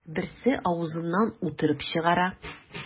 Берсе авызыннан ут өреп чыгара.